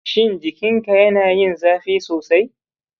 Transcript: shin jikinka yana yin zafi sosai?